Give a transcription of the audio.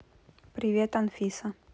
привет анфиса